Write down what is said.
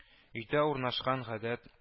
Өйдә урнашкан гадәт